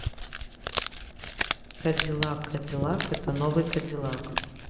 кадиллак cadillac это новый кадиллак